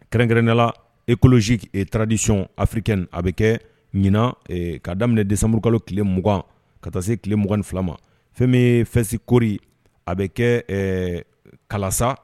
écologique et tradition africaine a bɛ kɛ ɲina ka daminɛ desamurukalo tile 20 ka ta se 22 ma fɛn min ye fɛsti kori a bɛ kɛ Kalasa.